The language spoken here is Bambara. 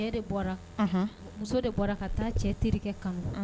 Cɛ de bɔra unhun muso de bɔra ka taa cɛ terikɛ kanu